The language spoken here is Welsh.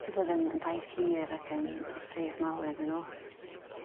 'Di fod yn yn daith hir ac yn sypreis mawr iddyn n'w. Hmm.